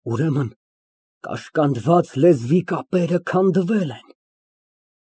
Ուրեմն, կաշկանդված լեզվի կապերը քանդվել են։